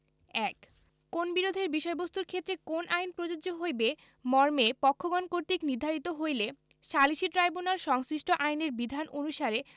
১ কোন বিরোধের বিষয়বস্তুর ক্ষেত্রে কোন আইন প্রযোজ্য হইবে মর্মে পক্ষগণ কর্তৃক নির্ধারিত হইলে সালিসী ট্রাইব্যুনাল সংশ্লিষ্ট আইনের বিধান অনুসারে